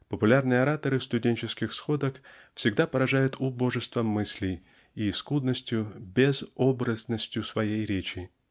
Популярные ораторы студенческих сходок всегда поражают убожеством мыслей и скудостью безобразностью своей речи.